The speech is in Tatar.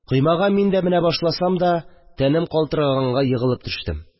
Коймага мин дә менә башласам да, тәнем калтыраганга, егылып төштем